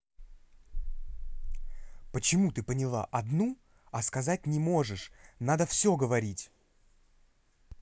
почему ты поняла одну а сказать не можешь надо все говорить